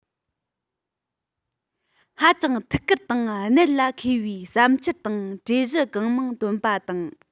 ཧ ཅང ཐུགས ཁུར དང གནད ལ འཁེལ བའི བསམ འཆར དང གྲོས གཞི གང མང བཏོན པ དང